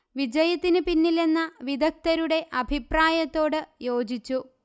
വിജയത്തിനു പിന്നിലെന്ന വിദഗ്ദ്ധരുടെ അഭിപ്രായത്തോട് യോജിച്ചു